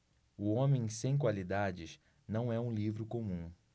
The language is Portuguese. o homem sem qualidades não é um livro comum